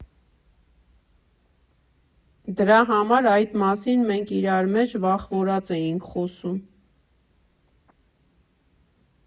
Դրա համար այդ մասին մենք իրար մեջ վախվորած էինք խոսում։